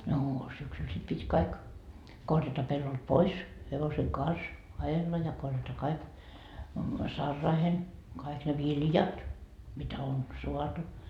no syksyllä sitten piti kaikki korjata pellolta pois hevosen kanssa ajella ja korjata kaikki saraihin kaikki ne viljat mitä on saatu